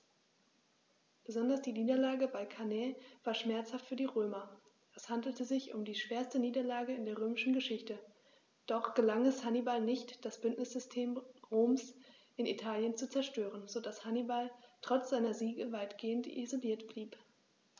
Besonders die Niederlage bei Cannae war schmerzhaft für die Römer: Es handelte sich um die schwerste Niederlage in der römischen Geschichte, doch gelang es Hannibal nicht, das Bündnissystem Roms in Italien zu zerstören, sodass Hannibal trotz seiner Siege weitgehend isoliert blieb.